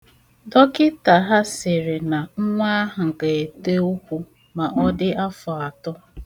Dokịta ha sịrị na nwa ahụ ga-ete ụkwụ ma ọ dị afọ atọ.